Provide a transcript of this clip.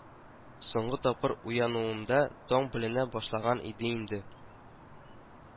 Соңгы тапкыр уянуымда, таң беленә башлаган иде инде